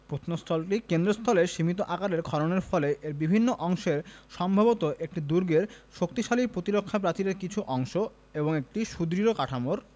প্রত্নস্থলটির কেন্দ্রস্থলে সীমিত আকারের খননের ফলে এর বিভিন্ন অংশের সম্ভবত একটি দুর্গের শক্তিশালী প্রতিরক্ষা প্রাচীরের কিছু অংশ এবং একটি সুদৃঢ় কাঠামোর